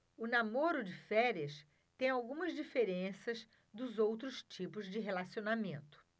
o namoro de férias tem algumas diferenças dos outros tipos de relacionamento